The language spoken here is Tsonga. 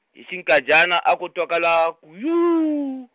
hi xinkadyana a ko twakala ku yuu.